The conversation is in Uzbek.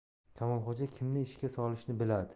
kamolxo'ja kimni ishga solishni biladi